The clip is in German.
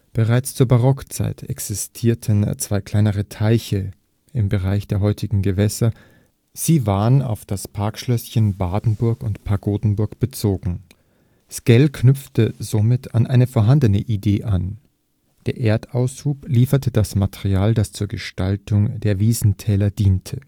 Bereits zur Barockzeit existierten zwei kleine Teiche im Bereich der heutigen Gewässer, sie waren auf die Parkschlösschen Badenburg und Pagodenburg bezogen. Sckell knüpfte somit an eine vorhandene Idee an. Der Erdaushub lieferte das Material, das zur Gestaltung der Wiesentäler diente